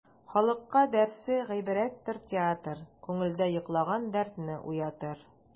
Халыкка дәрсе гыйбрәттер театр, күңелдә йоклаган дәртне уятыр.